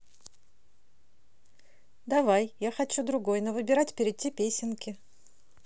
давай я хочу другой но выбирать перейти песенки